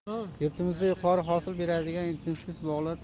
yurtimizda yuqori hosil beradigan intensiv bog'lar